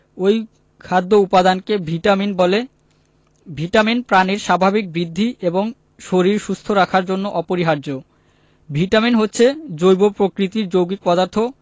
ঐ খাদ্য উপাদানকে ভিটামিন বলে ভিটামিন প্রাণীর স্বাভাবিক বৃদ্ধি এবং শরীর সুস্থ রাখার জন্য অপরিহার্য ভিটামিন হচ্ছে জৈব প্রকৃতির যৌগিক পদার্থ